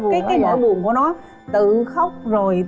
cái cái nỗi buồn của nó tự khóc rồi